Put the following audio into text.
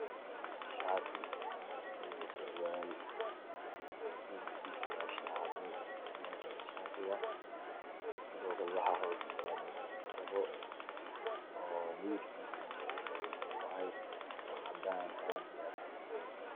Shaati iyo surwaal midabkoodu waa shaax cadeys waxaa hoos yaalo kabo cadaan ah.